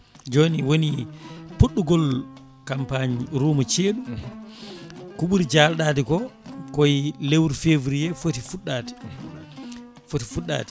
joni woni puɗɗogol campagne ruuma ceeɗu ko ɓuuri jalɗade ko koye lewru février footi fuɗɗade footi fuɗɗade